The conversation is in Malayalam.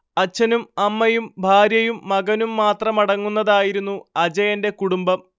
അച്ഛനും അമ്മയും ഭാര്യയും മകനും മാത്രമടങ്ങുന്നതായിരുന്നു അജയന്റെ കുടുംബം